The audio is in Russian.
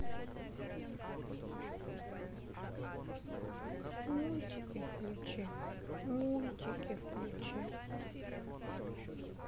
мультики включи мультики включи